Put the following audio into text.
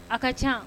A ka can